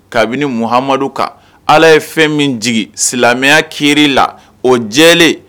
Kabini mumadu kan ala ye fɛn min jigi silamɛya ki la o jɛlen